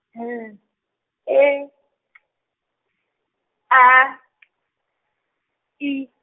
L E T A T I.